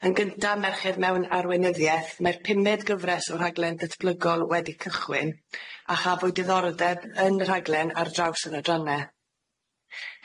yn gynta merched mewn arweinyddieth mae'r pumed gyfres o rhaglen datblygol wedi cychwyn a chafwyd diddordeb yn y rhaglen ar draws yr adranne.